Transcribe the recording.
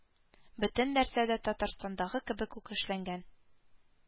Бөтен нәрсә дә Татарстандагы кебек ук эшләнгән